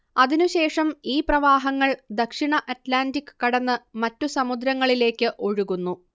അതിനുശേഷം ഈ പ്രവാഹങ്ങൾ ദക്ഷിണ അറ്റ്ലാന്റിക് കടന്ന് മറ്റു സമുദ്രങ്ങളിലേക്ക് ഒഴുകുന്നു